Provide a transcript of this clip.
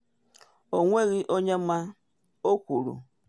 “Ọnweghị onye ma,” o kwuru.